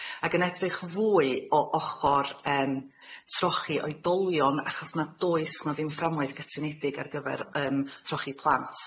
ag yn edrych yn fwy o ochor yym trochi oedolion, achos na does 'na ddim fframwaith gytunedig ar gyfer yym trochi plant.